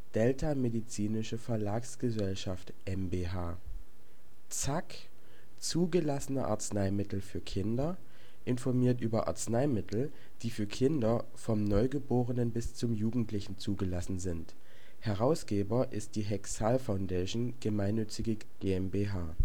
Delta medizinische Verlagsgesellschaft mbh) ZAK ®- Zugelassene Arzneimittel für Kinder: Informiert über Arzneimittel, die für Kinder, vom Neugeborenen bis zum Jugendlichen, zugelassen sind. Herausgeber ist die Hexal Foundation gGmbH